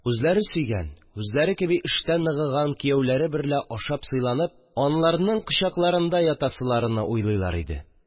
Үзләре сөйгән, үзләре кеби эштә ныгыган кияүләре берлә ашап-сойланып, аларның кочакларында ятасыларыны уйлыйлар иде